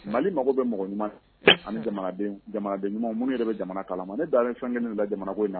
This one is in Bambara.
Mali mago bɛ mɔgɔ ɲuman ani jamana jamanaden ɲuman minnu yɛrɛ bɛ jamana kala ma ne dalen bɛ fɛn kelen la jamana bɔ in na